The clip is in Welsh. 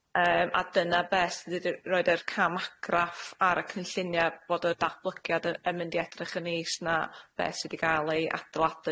yym a dyna beth sydd wedi roid yr camagraff ar y cynllunia' bod y datblygiad yn yn mynd i edrych yn is na be' sydd wedi ga'l ei adeiladu.